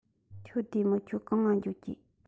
ཁྱོད བདེ མོ ཁྱོད གང ལ འགྲོ རྒྱུ